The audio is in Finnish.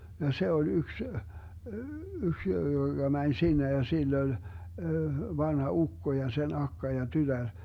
ja se oli yksi yksi joka meni sinne ja sillä oli vanha ukko ja sen akka ja tytär